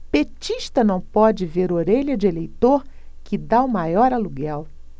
petista não pode ver orelha de eleitor que tá o maior aluguel